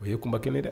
O ye kunba 1 ye dɛ